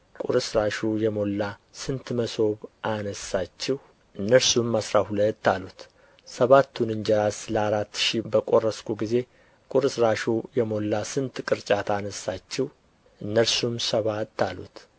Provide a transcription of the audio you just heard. ቍርስራሹ የሞላ ስንት መሶብ አነሣችሁ እነርሱም አሥራ ሁለት አሉት ሰባቱን እንጀራስ ለአራት ሺህ በቈረስሁ ጊዜ ቍርስራሹ የሞላ ስንት ቅርጫት አነሣችሁ እነርሱም ሰባት አሉት